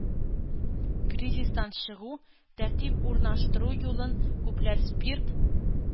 – кризистан чыгу, тәртип урнаштыру юлын күпләр спирт,